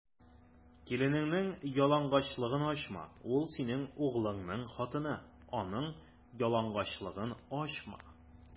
Киленеңнең ялангачлыгын ачма: ул - синең углыңның хатыны, аның ялангачлыгын ачма.